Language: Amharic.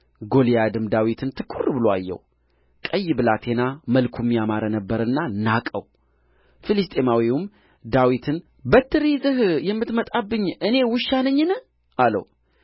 ጎልያድም ዳዊትን ትኵር ብሎ አየው ቀይ ብላቴና መልኩም ያማረ ነበረና ናቀው ፍልስጥኤማዊውም ዳዊትን በትር ይዘህ የምትመጣብኝ እኔ ውሻ ነኝን አለው